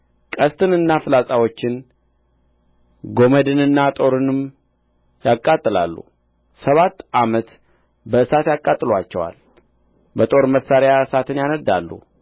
ቀስትንና ፍላጻዎችን ጎመድንና ጦርንም ያቃጥላሉ ሰባት ዓመት በእሳት ያቃጥሉአቸዋል በጦር መሣሪያው እሳትን ያነድዳሉ